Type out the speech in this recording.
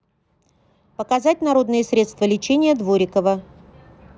показать народные средства лечения дворикова